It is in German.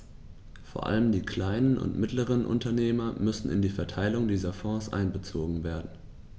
Vor allem die kleinen und mittleren Unternehmer müssen in die Verteilung dieser Fonds einbezogen werden.